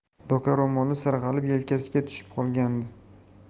doka ro'moli sirg'alib yelkasiga tushib qolgandi